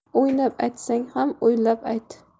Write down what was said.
o'ynab aytsang ham o'ylab ayt